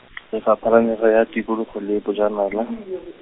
Lefapha la Merero ya Tikologo le Bojanala .